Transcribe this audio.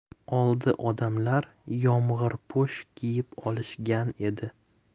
oldi odamlar yomg'irpo'sh kiyib olishgan edi